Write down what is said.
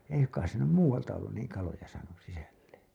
ei suinkaan se nyt muualta ollut niin kaloja saanut sisälleen